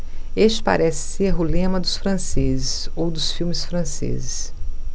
este parece ser o lema dos franceses ou dos filmes franceses